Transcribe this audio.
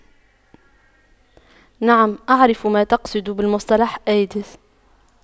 نعم اعرف ما تقصد بالمصطلح أيدز